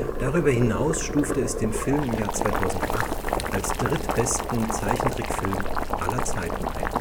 Darüber hinaus stufte es den Film im Jahr 2008 als drittbesten Zeichentrickfilm aller Zeiten ein